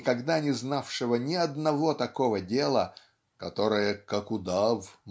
никогда не знавшего ни одного такого дела "которое как удав